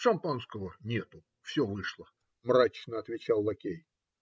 - Шампанского нету, все вышло, - мрачно отвечал лакей.